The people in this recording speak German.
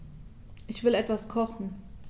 Ich will etwas kochen.